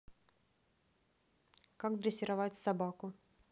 как дрессировать собаку